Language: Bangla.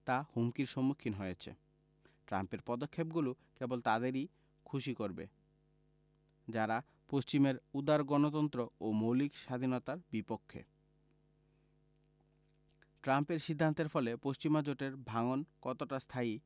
তা হুমকির সম্মুখীন হয়েছে ট্রাম্পের পদক্ষেপগুলো কেবল তাদেরই খুশি করবে যারা পশ্চিমের উদার গণতন্ত্র ও মৌলিক স্বাধীনতার বিপক্ষে ট্রাম্পের সিদ্ধান্তের ফলে পশ্চিমা জোটের ভাঙন কতটা স্থায়ী